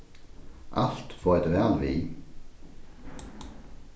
alt veit væl við